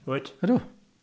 Wyt?... Ydw.